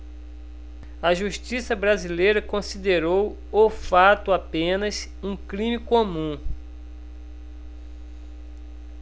a justiça brasileira considerou o fato apenas um crime comum